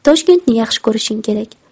toshkentni yaxshi ko'rishing kerak